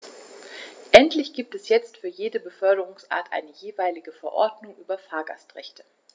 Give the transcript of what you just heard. Endlich gibt es jetzt für jede Beförderungsart eine jeweilige Verordnung über Fahrgastrechte.